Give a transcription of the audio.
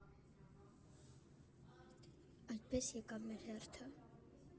Այդպես եկավ մեր հերթը։